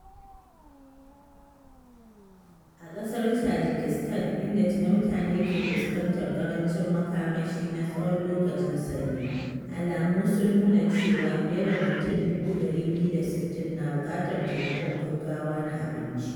A ƙasar Tajikistan, inda tuni mutane ke fuskantar ƙarancin makamashi na tsawon lokacin sanyi, alamu sun nuna cewa fiye da mutum 260,000 na buƙatar taimakon gaggawa na abinci.